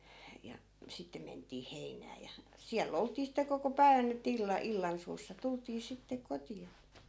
ja sitten mentiin heinään ja siellä oltiin sitten koko päivän että - illansuussa tultiin sitten kotiin